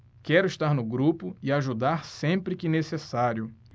quero estar no grupo e ajudar sempre que necessário